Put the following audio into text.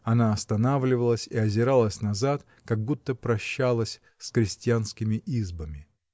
Она останавливалась и озиралась назад, как будто прощалась с крестьянскими избами.